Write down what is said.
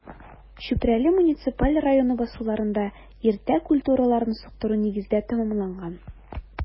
Чүпрәле муниципаль районы басуларында иртә культураларны суктыру нигездә тәмамланган.